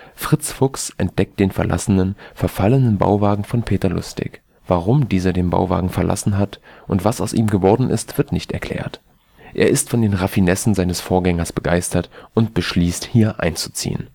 Fritz Fuchs entdeckt den verlassenen, verfallenen Bauwagen von Peter Lustig. Warum dieser den Bauwagen verlassen hat und was aus ihm geworden ist, wird nicht erklärt. Er ist von den Raffinessen seines Vorgängers begeistert und beschließt, hier einzuziehen